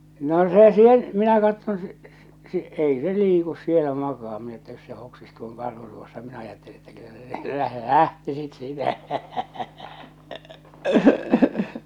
no se sen minä katson se -- ei se liiku siellä makaa minä että jos se hoksisi tuon karhun tuossa minä ajattelin että kyllä se - lähtisit siitä